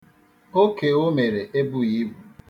Oke o mere ebughi ibu.